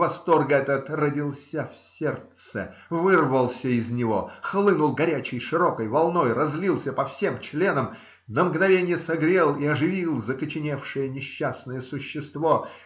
Восторг этот родился в сердце, вырвался из него, хлынул горячей, широкой волной, разлился по всем членам, на мгновенье согрел и оживил закоченевшее несчастное существо.